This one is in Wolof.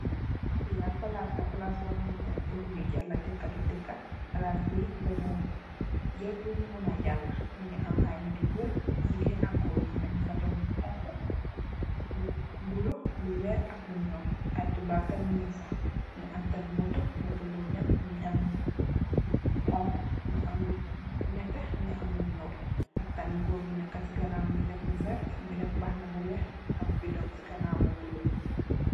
Fi nak palaas la, palaas bor hamantene su bu jala daka to daka palaas bi la nyo jël purr nu muna jala. Mungi am ay nit yu bari, jigéen ak goor, amna nu fa deff lu honku, lu bulo, lu weeh ak lu ñuul ay toubab tamit nung fa. Mungi am tamit moto, Moto bi dem mungi am lu honku, mungi am lu nètè, mungi am lu ñuul ak tamit gòor bu nekka ci ganaaw mungi deff lu vert, mungi deff mbahana bu weeh mungi am bidon ci ganaawam bu bulo.